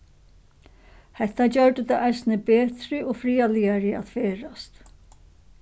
hetta gjørdi tað eisini betri og friðarligari at ferðast